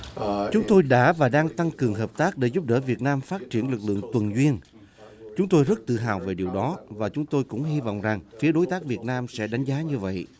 chúng tôi đã và đang tăng cường hợp tác để giúp đỡ việt nam phát triển lực lượng tuần duyên chúng tôi rất tự hào về điều đó và chúng tôi cũng hy vọng rằng phía đối tác việt nam sẽ đánh giá như vậy